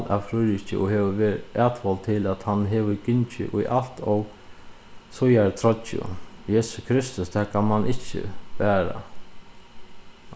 av fríðriki og hevur verið atvold til at hann hevur gingið í alt ov síðari troyggju jesu kristus tað kann mann ikki bara